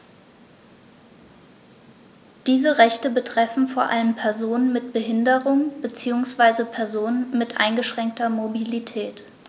Diese Rechte betreffen vor allem Personen mit Behinderung beziehungsweise Personen mit eingeschränkter Mobilität.